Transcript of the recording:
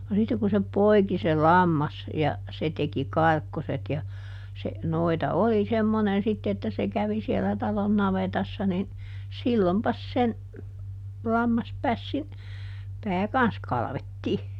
no sitten kun se poiki se lammas ja se teki karkkoset ja se noita oli semmoinen sitten että se kävi siellä talon navetassa niin silloinpas sen lammaspässin pää kanssa kalvettiin